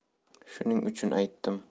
shuning uchun aytdim